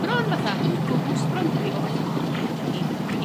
bron fatha *ego boost& bron dydi o fatha o ie dwi 'di dwi 'di